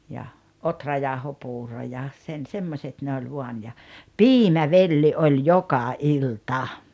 ja ohrajauhopuuro ja sen semmoiset ne oli vain ja piimävelli oli joka ilta